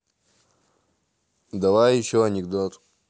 давай еще анекдот